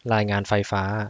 รายงานไฟฟ้า